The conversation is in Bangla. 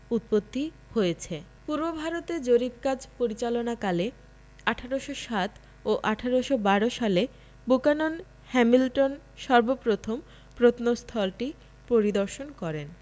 উৎপত্তি হয়েছে পূর্বভারতে জরিপ কাজ পরিচালনাকালে ১৮০৭ ও ১৮১২ সালে বুকানন হ্যামিল্টন সর্ব প্রথম প্রত্নস্থলটি পরিদর্শন করেন